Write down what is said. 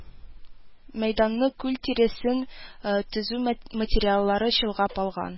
Мәйданны, күл тирәсен төзү мат материаллары чолгап алга